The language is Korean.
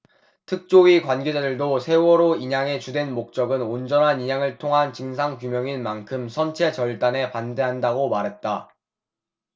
특조위 관계자도 세월호 인양의 주된 목적은 온전한 인양을 통한 진상규명인 만큼 선체 절단에 반대한다고 말했다